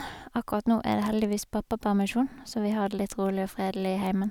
Akkurat nå er det heldigvis pappapermisjon, så vi har det litt rolig og fredelig i heimen.